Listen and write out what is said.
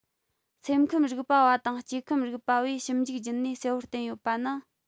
སེམས ཁམས རིག པ བ དང སྐྱེ ཁམས རིག པ བས ཞིབ འཇུག བརྒྱུད ནས གསལ བོར བསྟན ཡོད པ ནི